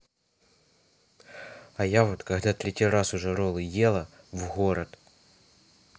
а я вот когда третий раз уже роллы ела в город